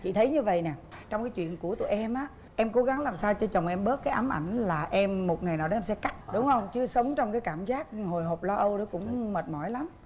chị thấy như vầy nè trong cái chuyện của tụi em á em cố gắng làm sao cho chồng em bớt cái ám ảnh là em một ngày nào đó em sẽ cắt đúng hông chứ sống trong cái cảm giác hồi hộp lo âu nó cũng mệt mỏi lắm